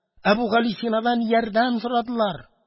Әбүгалисинадан ярдәм сорадылар.